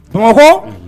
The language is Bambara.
Bamakɔ